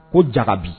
Ko ja bi